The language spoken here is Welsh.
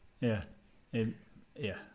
Ie. In- ie.